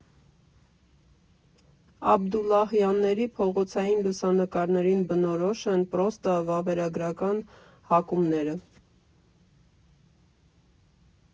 Աբդուլլահյանների փողոցային լուսանկարներին բնորոշ են պրոտո֊վավերագրական հակումները։